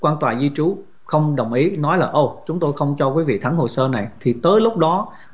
quan tòa di trú không đồng ý nói là ô chúng tôi không cho quý vị thắng hồ sơ này thì tới lúc đó